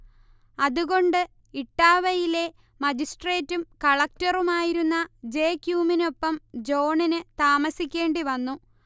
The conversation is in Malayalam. അതുകൊണ്ട് ഇട്ടാവയിലെ മജിസ്ട്രേറ്റും കളക്റ്ററുമായിരുന്ന ജെ ക്യുമിനൊപ്പം ജോണിന് താമസിക്കേണ്ടി വന്നു